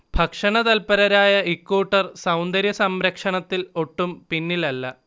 ഭക്ഷണ തല്പരരായ ഇക്കൂട്ടർ സൗന്ദര്യ സംരക്ഷണത്തിൽ ഒട്ടും പിന്നിലല്ല